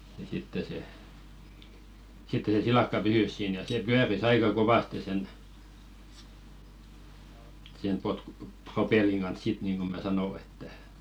ja sitten se sitten se silakka pysyi siinä ja se pyöri aika kovasti sen sen - propellin kanssa sitten niin kuin minä sanoin että